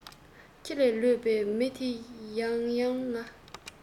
ཁྱི ལས ལོད པའི མི དེ ཡ ཡང ང